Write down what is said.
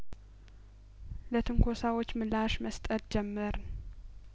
ለትንኮሳዎቹ ምላሽ መስጠት ጀመርን